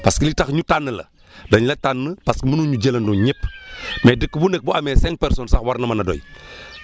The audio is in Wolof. parce que li tax ñu tànn la dañ la tànn parce que munuñu jëlandoo ñëpp mais dëkk bu ne bu amee cinq personnes sax war na mën a doy